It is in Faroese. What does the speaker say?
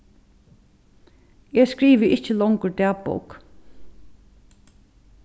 eg skrivi ikki longur dagbók